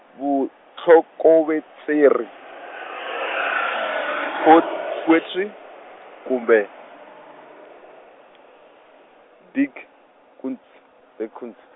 vutlhokovetseri, poet- poetry, kumbe, digkuns, digkuns.